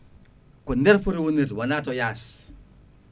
ko nder poti wonirde wona to yaas